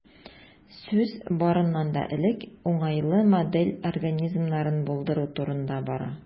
Сүз, барыннан да элек, уңайлы модель организмнарын булдыру турында бара.